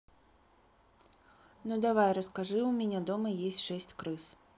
ну давай расскажи у меня дома есть шесть крыс